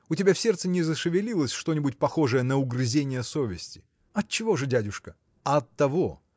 у тебя в сердце не зашевелилось что-нибудь похожее на угрызение совести? – Отчего же, дядюшка? – А оттого